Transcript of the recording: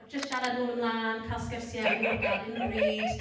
Jyst siarad nôl a mlaen, cael sgyrsiau. O nhw ar gael unrhyw bryd.